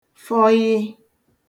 fọyị